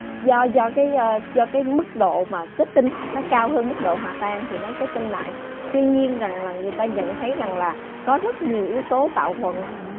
do do cái do cái mức độ mà kết tinh nó cao hơn mức độ hòa tan thì nó kết tinh lại tuy nhiên rằng là người ta nhận thấy rằng là có rất nhiều yếu tố tạo thuận